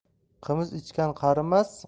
qimiz ichgan qarimas